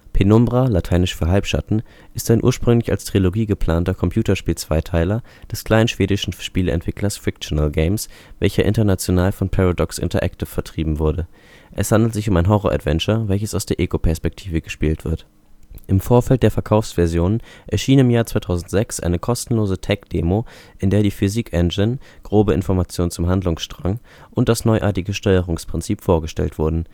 Penumbra (lateinisch für „ Halbschatten “) ist ein (ursprünglich als Trilogie geplanter) Computerspiel-Zweiteiler des kleinen schwedischen Spieleentwicklers Frictional Games, welcher international von Paradox Interactive vertrieben wurde. Es handelt sich um ein Horror-Adventure, welches aus der Egoperspektive gespielt wird. Im Vorfeld der Verkaufsversionen erschien im Jahr 2006 eine kostenlose Tech-Demo, in der die Physik-Engine, grobe Informationen zum Handlungsstrang und das neuartige Steuerungsprinzip vorgestellt wurden